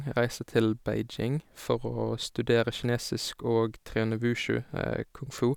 Jeg reiste til Beijing for å studere kinesisk og trene wushu, kung fu.